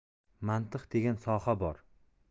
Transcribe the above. mantiq degan soha bor